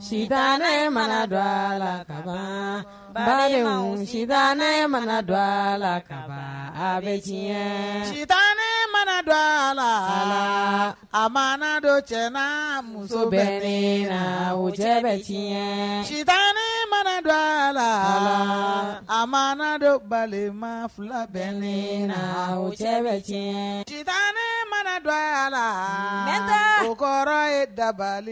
Suta ne mana dɔ a la ka bali si ne mana dɔ a la ka bɛ sita ne mana dɔ a la a ma dɔ cɛ muso bɛ ne la wo cɛ bɛ sita ne mana dɔ a la a ma dɔ balima fila bɛ ne la wo cɛ bɛ diɲɛ sita ne mana dɔ a la n tɛ kɔrɔ ye dabali